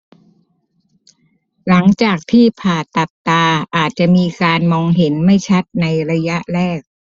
หลังจากที่ผ่าตัดตาอาจจะมีการมองเห็นไม่ชัดในระยะแรก